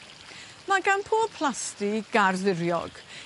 Ma' gan pob plasty gardd iriog